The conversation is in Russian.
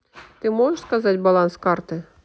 ты можешь сказать баланс карты